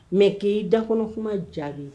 Mɛ k'i dakɔnɔ kuma jaabi